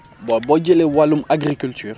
boo boo jëlee wàllum agriculture